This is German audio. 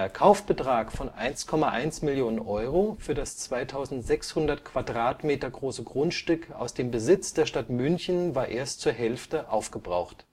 Kaufbetrag von 1,1 Millionen Euro für das 2600 Quadratmeter große Grundstück aus dem Besitz der Stadt München war erst zur Hälfte aufgebracht